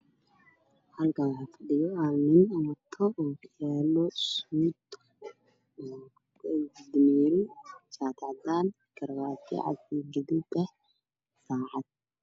Halkaan waxaa fadhiya hal nin oo wato ookiyaalo suud dameeri shaati cadaan garabaati cad iyo gaduud ah saacad.